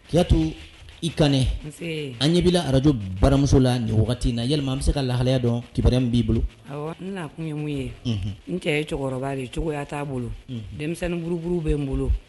Kiyatu i Kanɛ, nse, an ɲɛ bila radio baramuso la nin wagati na yali, an bɛ se ka lahaliya dɔn, kibaru min b'i bolo? Awɔ n na kun ye mun ye, unhun, n cɛ ye cɛkɔrɔba de ye cogoya t'a bolo, unhun, denmisɛnnin buruburu bɛ n bolo